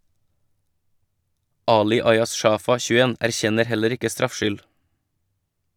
Ali Ayaz Shafa (21) erkjenner heller ikke straffskyld.